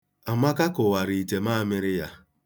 Amaka kụwara itemaamịrị ya.